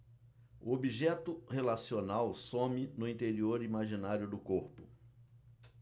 o objeto relacional some no interior imaginário do corpo